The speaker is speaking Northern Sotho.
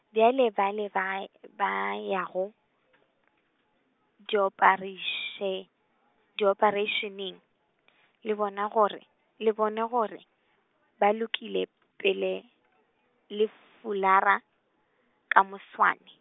bjale bale wae-, ba yago , diopareiše-, diopareišeneng, le bona gore, le bone gore ba lokile pele , le fulara ka moswane.